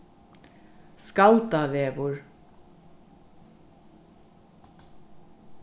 skaldavegur